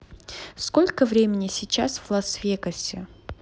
сколько времени сейчас в лас вегасе